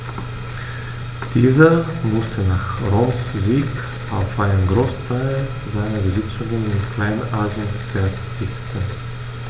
Dieser musste nach Roms Sieg auf einen Großteil seiner Besitzungen in Kleinasien verzichten.